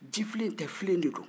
jifilen tɛ filen de don